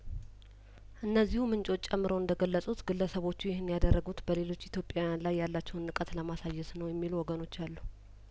እነዚሁምንጮች ጨምረው እንደገለጹት ግለሰቦቹ ይህን ያደረጉት በሌሎች ኢትዮጵያዊያን ላይ ያላቸውን ንቀት ለማሳየት ነው የሚሉ ወገኖች አሉ